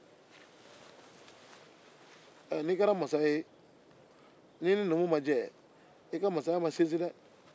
n'i kɛra masa ye n'i ni numu ma jɛ i ka masaya bɛ gɛlɛya